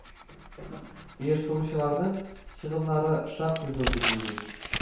Оештыручыларның чыгымнары шактый зур, дип уйлыйм